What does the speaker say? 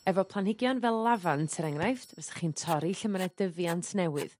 efo planhigion fel lafant er enghraifft bysach chi'n torri lle ma' 'na dyfiant newydd